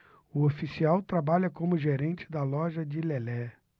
o oficial trabalha como gerente da loja de lelé